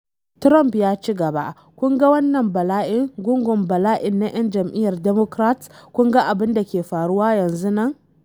Trump ya ci gaba, “Kun ga wannan bala’in, gungun bala’i na ‘yan jam’iyyar Democrats, kun ga abin da ke faruwa yanzun nan.